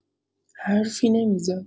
حرفی نمی‌زد.